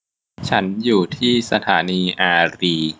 ฉันอยู่ที่สถานีอารีย์